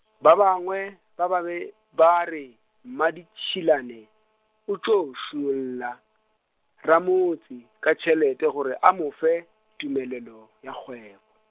ba bangwe ba ba be, ba re, Mmaditšhilane, o tšo šunyolla, ramotse, ka tšhelete gore a mo fe, tumelelo ya kgwebo.